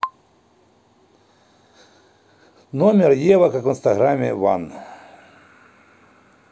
номер ева как в инстаграме ван